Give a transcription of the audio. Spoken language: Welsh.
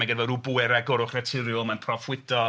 Mae ganddo fo ryw bwerau goruwch naturiol, mae'n proffwydo.